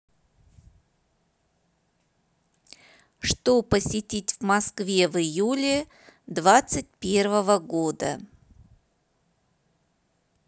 что посетить в москве в июле двадцать первого года